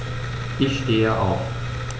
Ich stehe auf.